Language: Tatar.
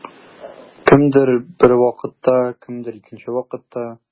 Кемдер бер вакытта, кемдер икенче вакытта.